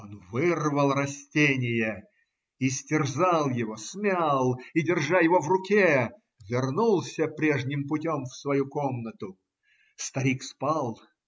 Он вырвал растение, истерзал его, смял и, держа его в руке, вернулся прежним путем в свою комнату. Старик спал.